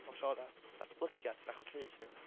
bob tro oedd 'na datblygiad i'r achos llys, o'n i fatha,